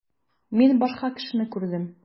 Мин башка кешене күрдем.